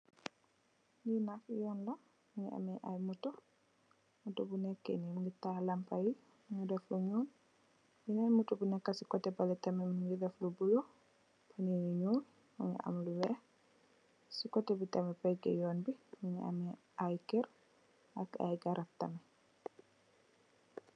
Lenak yoon la, mingi ammi ayi moto moto bu nekeh ni mingi tall lampa yi mingi deff lo nuul been moto neka ci coti bale tarmit mingi deff lo bule pona yu nuul mingi ham lo weex ci coti bi tarmit pegeh yoon bi ming ammi ayi kerr ak ayi garab.